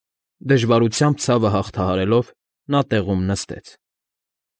Դժվարությամբ, ցավը հաղթահարելով, նա տեղում նստեց։